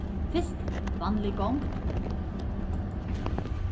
fyrst vanlig gongd